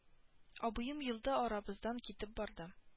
Абыем елда арабыздан китеп барды